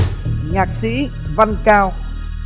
nhạc sĩ văn cao